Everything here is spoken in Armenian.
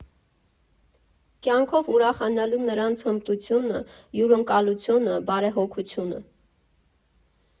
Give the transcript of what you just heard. Կյանքով ուրախանալու նրանց հմտությունը, հյուրընկալությունը, բարեհոգությունը։